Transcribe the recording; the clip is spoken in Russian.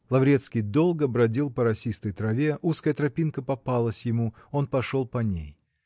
Лаврецкий долго бродил по росистой траве узкая тропинка попалась ему он пошел по ней.